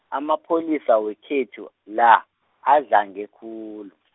amapholisa wekhethu la, adlange khulu .